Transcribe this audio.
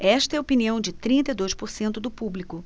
esta é a opinião de trinta e dois por cento do público